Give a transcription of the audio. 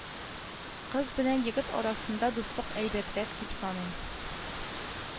Кыз белән егет арасында дуслык әйбәтрәк дип саныйм